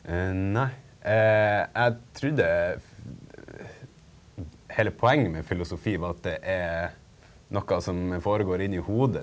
nei jeg trudde hele poenget med filosofi var at det er noe som foregår inni hodet.